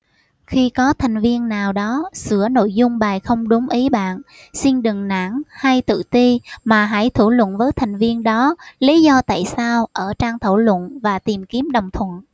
khi có thành viên nào đó sửa nội dung bài không đúng ý bạn xin đừng nản hay tự ti mà hãy thảo luận với thành viên đó lý do tại sao ở trang thảo luận và tìm kiếm đồng thuận